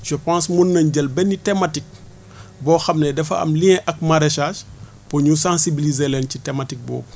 je pense mun nañ jël benn thématique boo xam ne dafa am lien ak maraîchage pour ñu sensibiliser leen ci thématique boobu